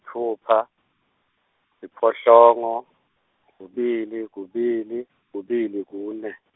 tfupha, siphohlongo, kubili kubili, kubili kune.